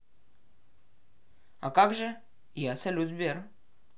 а как же я салют сбер